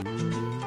San